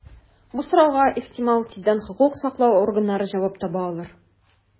Бу сорауга, ихтимал, тиздән хокук саклау органнары җавап таба алыр.